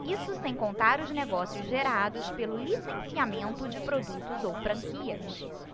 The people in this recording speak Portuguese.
isso sem contar os negócios gerados pelo licenciamento de produtos ou franquias